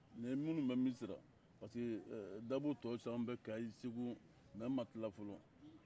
ni ye minnu bɛ misira parce que ɛɛ dabo tɔ caman bɛ kayi segu mɛ n ma tila fɔlɔ